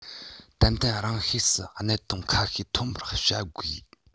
ཏན ཏན རང ཤུགས སུ གནད དོན ཁ ཤས ཐོན པར བྱ དགོས